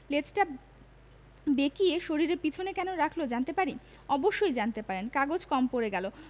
লেজটা বেঁকিয়ে শরীরের পেছনে কেন রাখল জানতে পারি অবশ্যই জানতে পারেন কাগজ কম পড়ে গেল